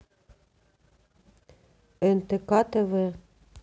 нтк тв